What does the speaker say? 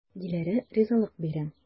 Диләрә ризалык бирә.